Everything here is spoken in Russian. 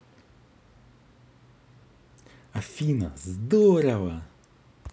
афина здорово